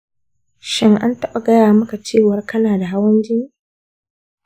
shin, an taɓa gaya maka cewa kana da hawan jini?